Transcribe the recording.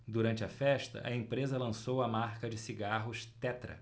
durante a festa a empresa lançou a marca de cigarros tetra